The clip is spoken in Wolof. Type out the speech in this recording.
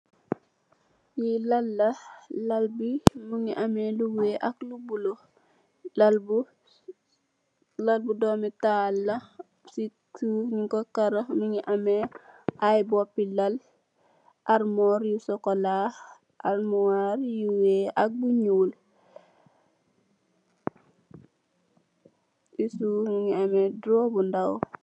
Lii Lal la lalbi mungi ameh lu wekh ak lu bulo Lal bu domi talla si suff ñinko caro mungi ameh ayy boppi Lal almuarr bu socola almuarr yu wekh ak bu nyul so suff mungi ameh dobu ndaw.